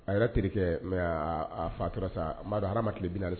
A yɛrɛ terikɛke mɛ a fatura sa ma di ha ma tilebinare sisan